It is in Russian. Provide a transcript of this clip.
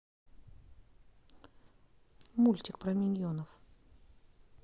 мультик про миньонов